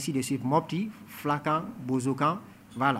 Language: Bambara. Ainsi de suite Mopti fulakan, bozokan b'a la